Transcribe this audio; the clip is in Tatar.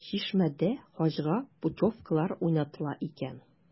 “чишмә”дә хаҗга путевкалар уйнатыла икән.